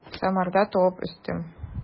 Самарда туып үстем.